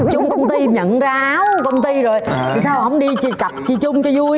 chung công ty nhận ra áo công ty rồi sao hổng đi cặp đi chung cho dui